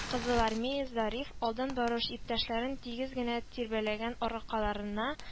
Кызылармеец зариф, алдан баруч иптәшләрен тигез генә тирбәләгән аракларына